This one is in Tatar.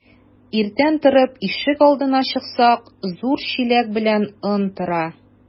Иртән торып ишек алдына чыксак, зур чиләк белән он тора.